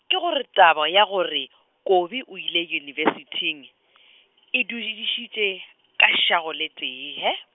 ke gore thaba ya gore Kobi o ile yunibesithing, e dudišitše ka swago le tee he.